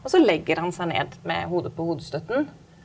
og så legger han seg ned med hodet på hodestøtten.